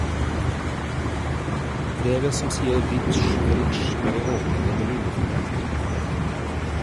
Brevet som sier ritsj, ritsj når jeg åpner det med lillefingeren?